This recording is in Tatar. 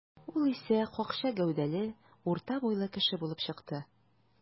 Ул исә какча гәүдәле, урта буйлы кеше булып чыкты.